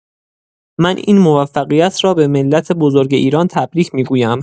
من این موفقیت را به ملت بزرگ ایران تبریک می‌گویم.